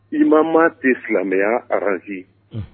I ma maa tɛ silamɛya zali